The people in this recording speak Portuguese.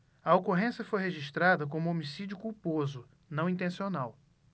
a ocorrência foi registrada como homicídio culposo não intencional